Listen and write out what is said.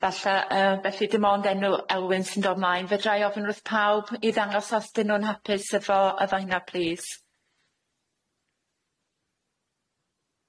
Falle yy felly dim ond enw Elwyn sy'n dod mlaen. Fedrai ofyn wrth pawb i ddangos os 'dyn nw'n hapus efo efo hynna plîs.